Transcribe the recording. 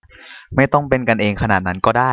ไม่ต้องเป็นกันเองขนาดนั้นก็ได้